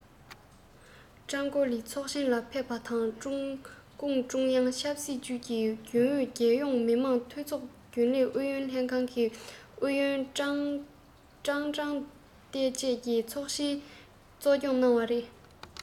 ཀྲང ཀའོ ལི ཚོགས ཆེན ལ ཕེབས པ དང ཀྲུང གུང ཀྲུང དབྱང ཆབ སྲིད ཅུས ཀྱི རྒྱུན ཨུ རྒྱལ ཡོངས མི དམངས འཐུས ཚོགས རྒྱུན ལས ཨུ ཡོན ལྷན ཁང གི ཨུ ཡོན ཀྲང ཀྲང ཏེ ཅང གིས ཚོགས ཆེན གཙོ སྐྱོང གནང བ རེད